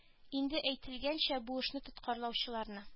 Инде әйтелгәнчә бу эшне тоткарлаучыларны